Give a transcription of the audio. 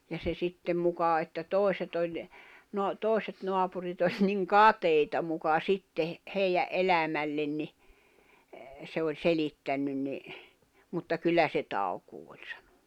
ja se sitten muka että toiset oli - toiset naapurit oli niin kateita muka sitten heidän elämälle niin se oli selittänyt niin mutta kyllä se taukoaa oli sanonut